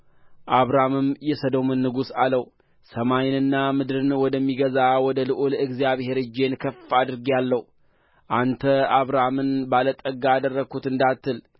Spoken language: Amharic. አብራምም የሰዶምን ንጉሥ አለው ሰማይንና ምድርን ወደሚገዛ ወደ ልዑል እግዚአብሔር እጄን ከፍ አድርጌአለሁ አንተ አብራምን ባለጠጋ አደረግሁት እንዳትል